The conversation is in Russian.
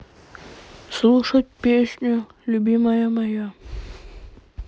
слушать песню любимая моя